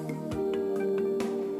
San